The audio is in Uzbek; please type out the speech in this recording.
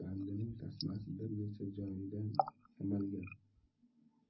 bandining tasmasi bir necha joyidan yamalgan